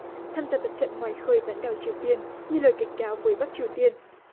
tham gia tập trận ngoài khơi bán đảo triều tiên như lời cảnh cáo vì bắc triều tiên